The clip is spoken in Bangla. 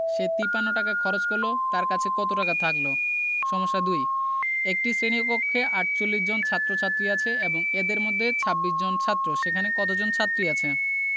সে ৫৩ টাকা খরচ করল তার কাছে কত টাকা থাকল সমস্যা ২ একটি শ্রেণি কক্ষে ৪৮ জন ছাত্ৰ-ছাত্ৰী আছে এবং এদের মধ্যে ২৬ জন ছাত্র সেখানে কতজন ছাত্রী আছে